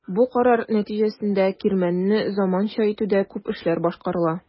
Бу карар нәтиҗәсендә кирмәнне заманча итүдә күп эшләр башкарыла.